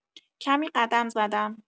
کمی قدم زدم.